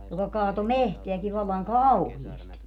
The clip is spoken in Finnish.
joka kaatoi metsääkin vallan kauheasti